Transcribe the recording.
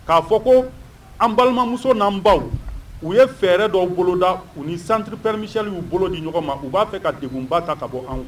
Ka fɔ ko an balimamusow nan baw u ye fɛɛrɛ dɔ boloda. U ni centre père Michel yu bolo ni ɲɔgɔn ma u ba fɛ ka dekunba ta ka bɔ anw kan